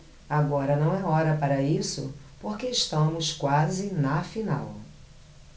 agora não é hora para isso porque estamos quase na final